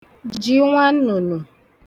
ji nwannụ̀nụ̀